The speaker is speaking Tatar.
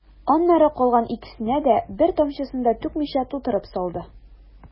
Аннары калган икесенә дә, бер тамчысын да түкмичә, тутырып салды.